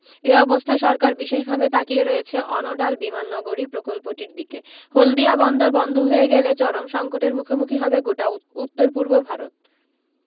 এ অবস্থায় সরকার বিশেষ ভাবে তাকিয়ে রয়েছে অণডাল বিমাননগরী প্রকল্পটির দিকে হলদিয়া বন্দর বন্ধ হয়ে গেলে চরম সংকটের মুখোমুখি হবে গোটা উত্তর পূর্ব ভারত